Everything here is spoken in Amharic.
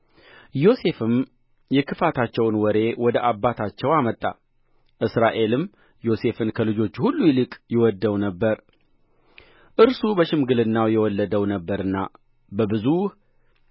ዮሴፍም የክፋታቸውን ወሬ ወደ አባታቸው አመጣ እስራኤልም ዮሴፍን ከልጆቹ ሁሉ ይልቅ ይወደው ነበር እርሱ በሽምግልናው የወለደው ነበርና በብዙ